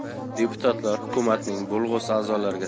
deputatlar hukumatning bo'lg'usi a'zolariga